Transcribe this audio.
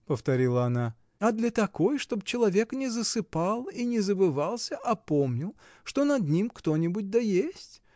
— повторила она, — а для такой, чтоб человек не засыпал и не забывался, а помнил, что над ним кто-нибудь да есть